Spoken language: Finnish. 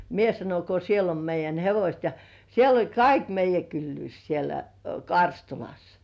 - minä sanoin kun siellä on meidän hevoset ja siellä oli kaikki meidän kylyys siellä Karstulassa